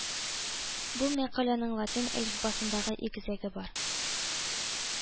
Бу мәкаләнең латин әлифбасындагы игезәге бар